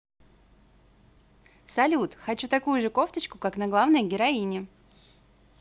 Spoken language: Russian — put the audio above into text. салют хочу такую же кофточку как на главной героини